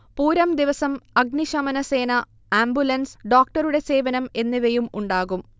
പൂരം ദിവസം അഗ്നിശമനസേന, ആംബുലൻസ്, ഡോക്ടറുടെ സേവനം എന്നിവയും ഉണ്ടാകും